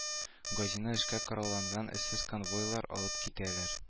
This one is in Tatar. Газины эшкә коралланган эсэс конвойлары алып китәләр